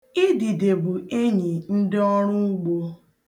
Idide bụ enyi ndị ọrụ ugbo.